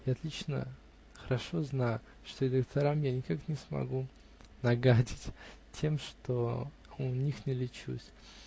я отлично хорошо знаю, что и докторам я никак не смогу "нагадить" тем, что у них не лечусь